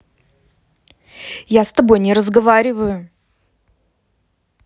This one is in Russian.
я с тобой не разговариваю